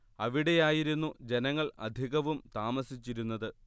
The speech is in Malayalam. അവിടെയായിരുന്നു ജനങ്ങൾ അധികവും താമസിച്ചിരുന്നത്